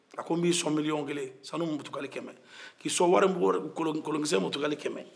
a ko n b'i sɔn miliyɔn kelen sanu mutukale kɛmɛ k'i sɔn warimugu-kolon-kolonkisɛ mutukale kɛmɛ